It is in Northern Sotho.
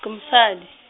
-po mosadi.